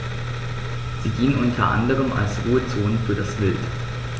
Sie dienen unter anderem als Ruhezonen für das Wild.